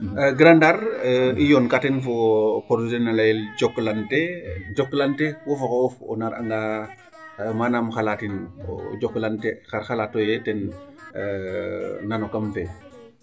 Grand Ndane i yoonkaa teen fo o projet layel Jokalante jokalante wo fa xooxof o narangaa manaam xalatin Jokalante xar xalaato ye ten nanno kam fe ?